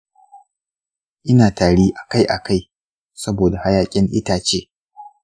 ina tari akai-akai saboda hayaƙin itace.